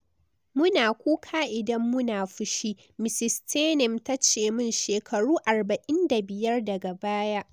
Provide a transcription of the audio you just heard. “Mu na kuka idan mu na fushi, "Ms. Steinem ta ce min shekaru 45 daga baya.